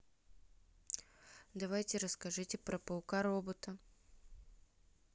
давайте расскажите про паука робота